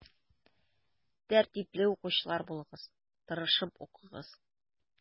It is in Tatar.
Тәртипле укучылар булыгыз, тырышып укыгыз.